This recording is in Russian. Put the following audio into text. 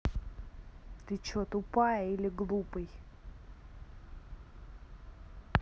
ты че тупая или глупый